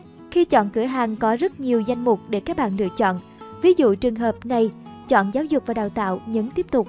khi chọn cửa hàng có rất nhiều danh mục để các bạn lựa chọn ví dụ trường hợp nay chọn giáo dục và đào tạo nhấn tiếp tục